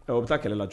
Ɔ u bɛ taa kɛlɛ la jɔ